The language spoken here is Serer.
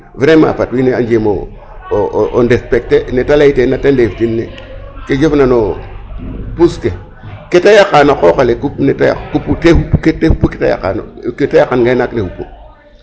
Vraiment fat wiin we a njem o ndef ta ne ta layteena te ndeeftin ne ke jofna no puus ke ke ta yaqaa no qooq ale xupu te xupu te xupu ke ta yaqaa no ke ta yaqaa no ngaynaak ne xupu.